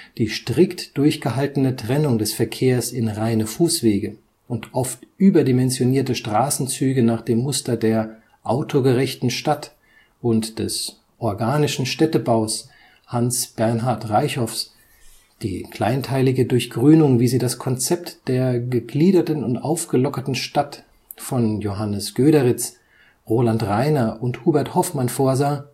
die strikt durchgehaltene Trennung des Verkehrs in reine Fußwege und oft überdimensionierte Straßenzüge nach dem Muster der „ autogerechten Stadt “und des „ organischen Städtebaus “Hans Bernhard Reichows, die kleinteilige Durchgrünung, wie sie das Konzept der „ Gegliederten und aufgelockerten Stadt “von Johannes Göderitz, Roland Rainer und Hubert Hoffmann vorsah